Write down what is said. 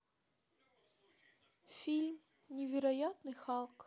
фильм невероятный халк